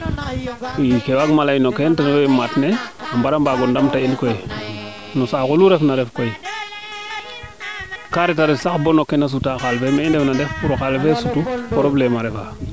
ke waag ma ley no keene te refu ye maat ne a mbara mbaago ndamta in koy no saaxo lu ref na ref koy ka garat sax no keena suta xalis no me i ndef na ndef pour o xaalo le sutu probleme a refaA